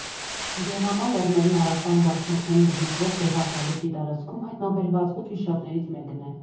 Գեղամա լեռների հարավային բարձունքներին գտնվող Գեղարդա լճի տարածքում հայտնաբերված ութ վիշապներից մեկն է։